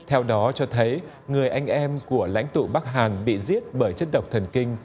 theo đó cho thấy người anh em của lãnh tụ bắc hằng bị giết bởi chất độc thần kinh